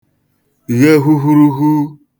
ghe huhuruhuu